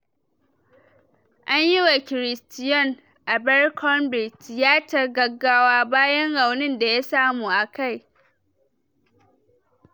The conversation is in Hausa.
Anyi wa Christion Abercrombie Tiyatar Gaggawa Bayan Raunin da ya Samu a Kai